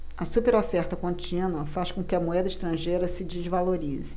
a superoferta contínua faz com que a moeda estrangeira se desvalorize